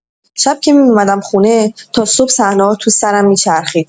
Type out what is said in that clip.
شب که می‌اومدم خونه، تا صبح صحنه‌ها تو سرم می‌چرخید.